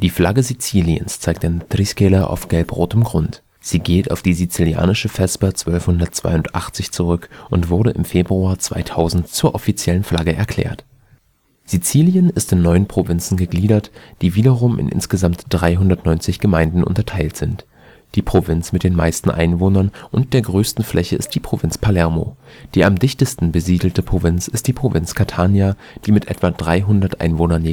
Flagge Siziliens zeigt eine Triskele auf gelbrotem Grund. Sie geht auf die Sizilianische Vesper 1282 zurück und wurde im Februar 2000 zur offiziellen Flagge erklärt. Provinzen Siziliens Sizilien ist in neun Provinzen gegliedert, die wiederum in insgesamt 390 Gemeinden unterteilt sind. Die Provinz mit den meisten Einwohnern und der größten Fläche ist die Provinz Palermo. Die am dichtesten besiedelte Provinz ist die Provinz Catania, die mit etwa 300 Einwohnern